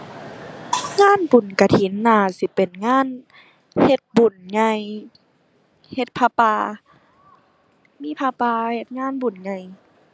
งานบุญกฐินน่าสิเป็นงานเฮ็ดบุญใหญ่ เฮ็ดผ้าป่า มีผ้าป่าเฮ็ดงานบุญใหญ่